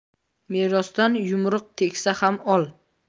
merosdan yumruq tegsa ham ol